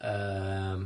Yym.